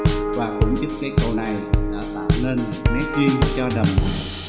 và cũng chính cây cầy này đã tạo thêm một nét duyên cho đầm nại